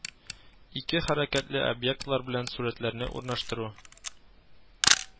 Ике хәрәкәтле объектлар белән сурәтләрне урнаштыру